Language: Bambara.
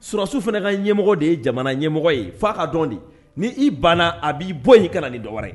SurasIW fɛnɛ ka ɲɛmɔgɔ de ye jamana ɲɛmɔgɔ ye f'a k'a dɔn de ni i banna a b'i bo ye nin kana nin dɔwɛrɛ ye